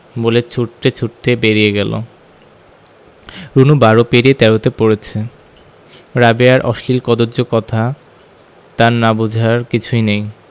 বলে ছুটতে ছুটতে বেরিয়ে গেল রুনু বারো পেরিয়ে তেরোতে পড়েছে রাবেয়ার অশ্লীল কদৰ্য কথা তার না বুঝার কিছুই নেই